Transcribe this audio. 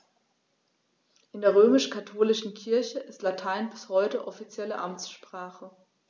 In der römisch-katholischen Kirche ist Latein bis heute offizielle Amtssprache.